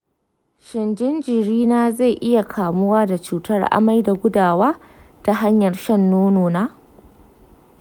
shin jinjirina zai iya kamuwa da cutar amai da gudawa ta hanyar shan nonona?